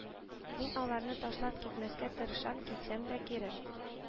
Мин аларны ташлап китмәскә тырышам, китсәм дә, кире